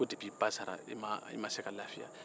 ko kabi i ba sara i ma se ka lafiya